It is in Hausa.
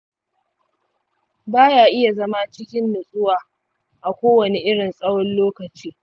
ba ya iya zama cikin nutsuwa na kowane irin tsawon lokaci